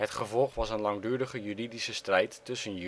gevolg was een langdurige juridische strijd tussen